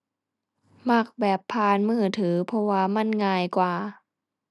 มักแบบผ่านมือถือ เพราะว่ามันง่ายกว่า